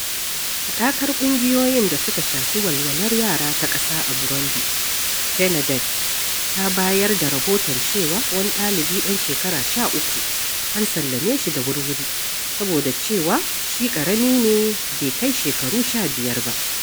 Haɗakar ƙungiyoyin da suka shafi walwalar yara ta ƙasa a Burundi (FENADEB) ta bayar da rahoton cewa wani ɗalibi ɗan shekaru 13, an sallame shi da wurwuri saboda cewa shi ƙarami ne bai kai shekaru 15 ba.